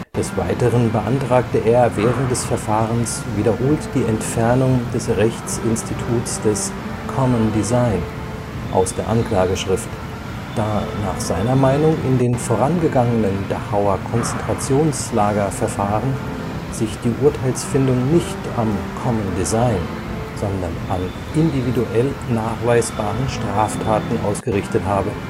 Des Weiteren beantragte er während des Verfahrens wiederholt die Entfernung des Rechtsinstituts des Common Design aus der Anklageschrift, da nach seiner Meinung in den vorangegangenen Dachauer Konzentrationslagerverfahren sich die Urteilsfindung nicht am Common Design, sondern an individuell nachweisbaren Straftaten ausgerichtet habe